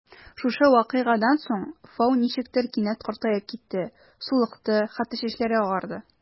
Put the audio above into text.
Шушы вакыйгадан соң Фау ничектер кинәт картаеп китте: сулыкты, хәтта чәчләре агарды.